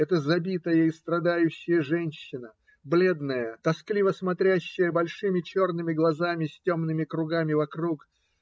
Эта забитая и страдающая женщина, бледная, тоскливо смотрящая большими черными глазами с темными кругами вокруг,